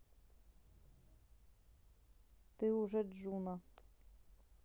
ты уже джуна